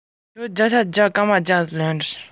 གལ སྲིད སློབ གྲྭའི ནང གེ སར